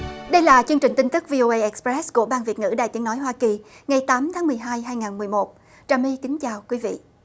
đây là chương trình tin tức vi ô ây ích pét của bang việt ngữ đài tiếng nói hoa kỳ ngày tám tháng mười hai hai ngàn mười một trà my kính chào quý vị